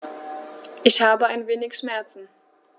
Ich habe ein wenig Schmerzen.